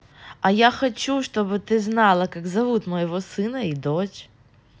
а я хочу чтобы ты знала как зовут моего сына и мою дочь